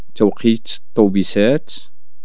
توقيت الطوبيسات